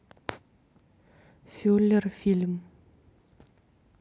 фюллер фильм